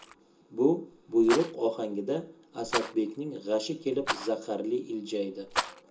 bu buyruq ohangida asadbekning g'ashi kelib zaharli iljaydi